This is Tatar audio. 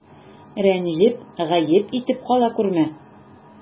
Рәнҗеп, гаеп итеп кала күрмә.